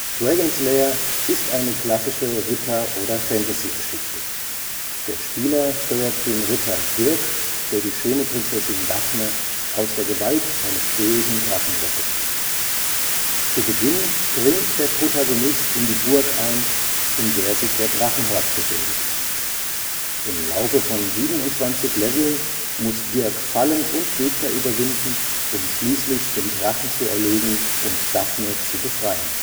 ’ s Lair ist eine klassische Ritter - oder Fantasygeschichte: Der Spieler steuert den Ritter Dirk, der die schöne Prinzessin Daphne aus der Gewalt eines bösen Drachen rettet. Zu Beginn dringt der Protagonist in die Burg ein, in der sich der Drachenhort befindet. Im Laufe von 27 Leveln muss Dirk Fallen und Gegner überwinden, um schließlich den Drachen zu erlegen und Daphne zu befreien